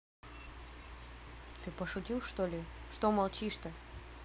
ты что пошутил что ли что молчишь то